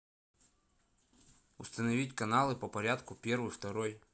установить каналы по порядку первый второй